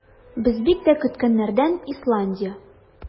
Без бик тә көткәннәрдән - Исландия.